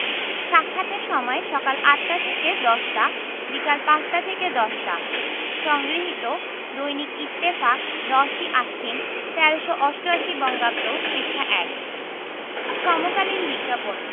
সাক্ষাতের সময়ঃসকাল ৮টা থেকে ১০টা - বিকাল ৫টা থেকে ১০টা সংগৃহীত দৈনিক ইত্তেফাক ১০ই আশ্বিন ১৩৮৮ বঙ্গাব্দ পৃষ্ঠা – ১ সমকালীন বিজ্ঞাপন